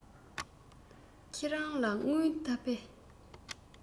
ཁྱེད རང ལ དངུལ ད པས